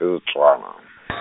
e Setswana .